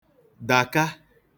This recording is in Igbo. dàka